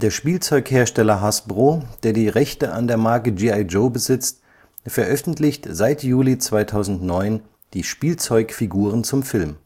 Spielzeughersteller Hasbro, der die Rechte an der Marke G.I. Joe besitzt, veröffentlicht seit Juli 2009 die Spielzeugfiguren zum Film